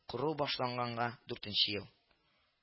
Кору башланганга дүртенче ел